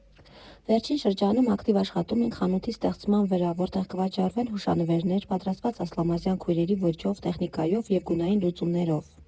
Վերջին շրջանում ակտիվ աշխատում ենք խանութի ստեղծման վրա, որտեղ կվաճառվեն հուշանվերներ՝ պատրաստված Ասլամազյան քույրերի ոճով, տեխնիկայով և գունային լուծումներով։